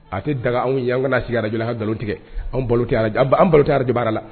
A tɛ daga anw ye an ka sigi araj ka nkalon tigɛ an balo an balo debaa la